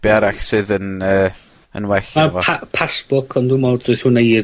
Be' arall sydd yn yy yn wel hefo... Ma'r pa- passbook ond dwi'm me'wl deith hwnna i'r